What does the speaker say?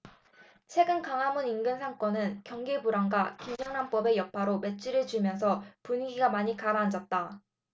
최근 광화문 인근 상권은 경기 불황과 김영란법의 여파로 매출이 줄면서 분위기가 많이 가라앉았다